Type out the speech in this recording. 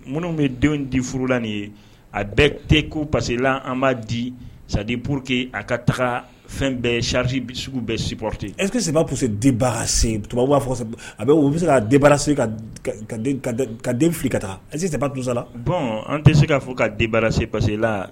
Minnu bɛ denw di furula nin ye a bɛɛ te ko pasekela an b'a di sadi buruki a ka taga fɛn bɛɛ sarisi sugu bɛɛ siporote ɛse senba que dibaga sen tubabu b'a fɔ a o bɛ se ka denbara sen ka fili ka taa ɛse sababa dunsala bɔn an tɛ se k kaa fɔ ka denbara se pala